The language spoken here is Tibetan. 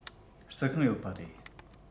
རྩི ཤིང ཡོད པ རེད